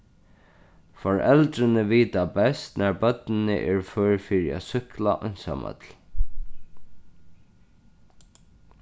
foreldrini vita best nær børnini eru før fyri at súkkla einsamøll